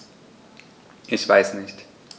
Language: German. Ich weiß nicht.